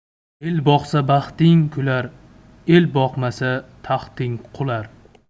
el boqsa baxting kular el boqmasa taxting qular